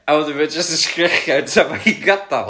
a wedyn mae o jyst yn sgrechian tan ma' hi'n gadal